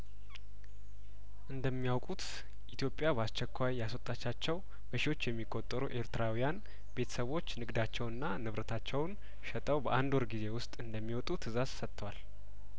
እንደሚ ያውቁት ኢትዮጵያ በአስቸኳይ ያስወጣቻቸው በሺዎች የሚቆጠሩ ኤርትራውያን ቤተሰቦችን ግዳቸውንና ንብረታቸውን ሸጠው በአንድ ወር ጊዜ ውስጥ እንደሚወጡ ትዛዝ ሰጥቷል